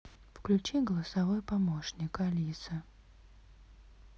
включи голосовой помощник алиса